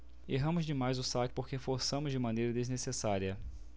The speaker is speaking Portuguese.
erramos demais o saque porque forçamos de maneira desnecessária